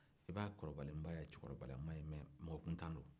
e b'a kɔrɔbalenba ye cɛkɔrɔba ya mais mɔgɔ kuntan do